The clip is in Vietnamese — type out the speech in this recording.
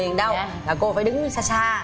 đâu mà cô phải đứng xa xa